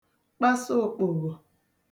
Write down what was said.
kpasa òkpòghò